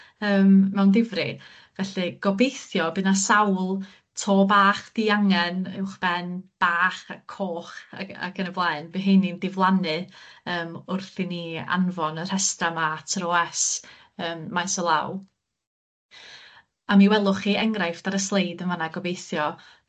yym mewn difri felly gobeithio by' 'na sawl to bach diangen uwchben bach a coch ac ac yn y blaen by' 'heini'n diflannu yym wrth i ni anfon y rhestar 'ma at yr Owe Ess yym maes o law a mi welwch chi enghraifft ar y sleid yn fan 'na gobeithio.